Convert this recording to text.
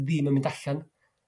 ddim yn mynd allan.